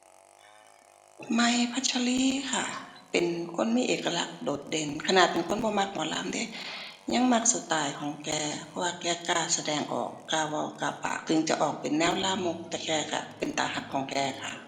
ใหม่ พัชรีค่ะ เป็นคนมีเอกลักษณ์โดดเด่น ขนาดเป็นคนบ่มักหมอลำเดะ ยังมักสไตล์ของแก เพราะว่าแกกล้าแสดงออก กล้าเว้า กล้าปาก ถึงจะออกเป็นแนวลามก แต่แกก็เป็นตาฮักของแกค่ะ